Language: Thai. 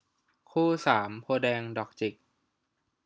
คู่สามโพธิ์แดงดอกจิก